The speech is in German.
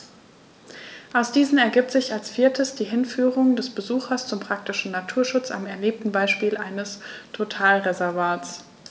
Aus diesen ergibt sich als viertes die Hinführung des Besuchers zum praktischen Naturschutz am erlebten Beispiel eines Totalreservats.